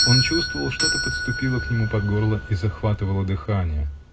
Он чувствовал, что-то подступило к нему под горло и захватывало дыхание.